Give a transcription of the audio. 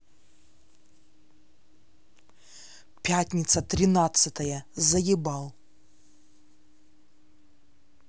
пятница тринадцатое заебал